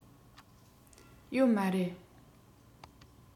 ཡོད མ རེད